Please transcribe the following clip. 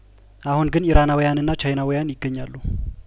አሁን ግን ኢራናውያንና ቻይናዊያን ይገኛሉ